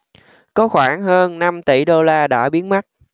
có khoảng hơn năm tỷ đô la đã biến mất